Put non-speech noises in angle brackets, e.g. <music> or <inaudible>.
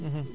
<hesitation> <hesitation>